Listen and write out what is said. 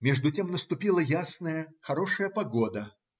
Между тем наступила ясная, хорошая погода